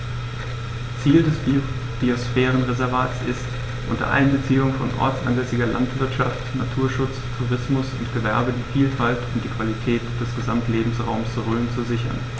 Ziel dieses Biosphärenreservates ist, unter Einbeziehung von ortsansässiger Landwirtschaft, Naturschutz, Tourismus und Gewerbe die Vielfalt und die Qualität des Gesamtlebensraumes Rhön zu sichern.